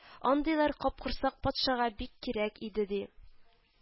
Андыйлар капкорсак патшага бик кирәк иде, ди